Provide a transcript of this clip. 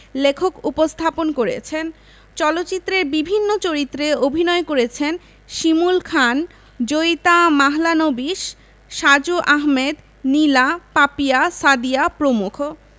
লেখক উপস্থাপন করেছেন চলচ্চিত্রের বিভিন্ন চরিত্রে অভিনয় করেছেন শিমুল খান জয়িতা মাহলানোবিশ সাজু আহমেদ নীলা পাপিয়া সাদিয়া প্রমুখ